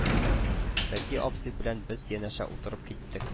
Сәгъди абзый белән без янәшә утырып киттек